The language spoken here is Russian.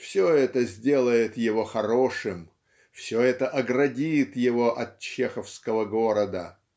все это сделает его хорошим, все это оградит его от чеховского города